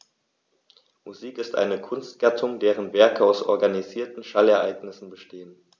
Musik ist eine Kunstgattung, deren Werke aus organisierten Schallereignissen bestehen.